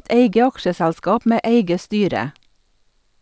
eit eige aksjeselskap med eige styre.